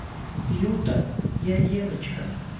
юта я девочка